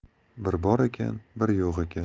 bir bor ekan bir yo'q ekan